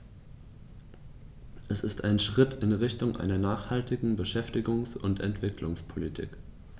Er ist ein Schritt in Richtung einer nachhaltigen Beschäftigungs- und Entwicklungspolitik.